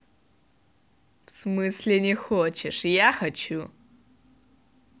в смысле не хочешь я хочу